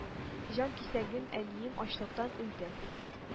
Җанкисәгем — әнием — ачлыктан үлде.